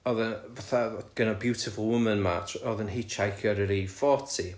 o'dd y fatha gan y beautiful woman 'ma o'dd yn hitshhaicio ar yr A40